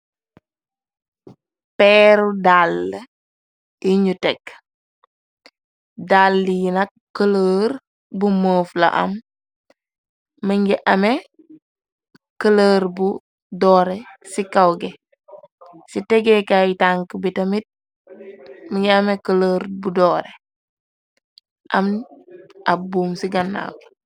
peeru dàll yiñu teg dall yi na këlër bu moof la am më ngi ame këlër bu doore ci kawge ci tegeekay tank bi tamit mngi ame këlër bu doore am ab buum ci gannaab.